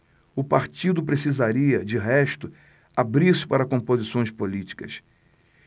o partido precisaria de resto abrir-se para composições políticas